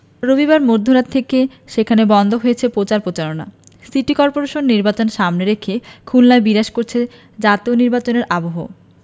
রবিবার মধ্যরাত থেকে সেখানে বন্ধ হয়েছে প্রচার প্রচারণা সিটি করপোরেশন নির্বাচন সামনে রেখে খুলনায় বিরাজ করছে জাতীয় নির্বাচনের আবহ